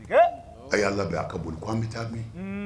Hee a' y'a labɛn a' ka boli ko an be taa min unn